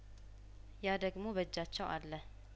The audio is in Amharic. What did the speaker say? ያደግሞ በእጃቸው አለ